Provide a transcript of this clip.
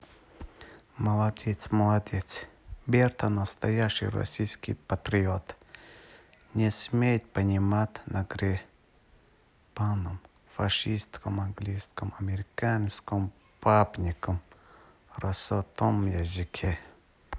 молодец молодец берта настоящий российский патриот не смеет понимать на гребаном фашистском английском америкосовском бабкином россатом языке